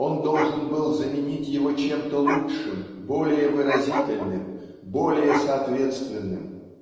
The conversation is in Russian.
Он должен был заменить его чем-то лучшим более выразительным более соответственным.